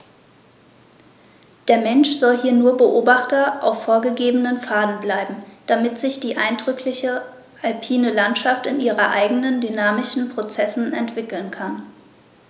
Der Mensch soll hier nur Beobachter auf vorgegebenen Pfaden bleiben, damit sich die eindrückliche alpine Landschaft in ihren eigenen dynamischen Prozessen entwickeln kann.